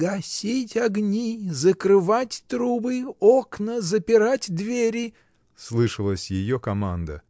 — Гасить огни, закрывать трубы, окна, запирать двери! — слышалась ее команда.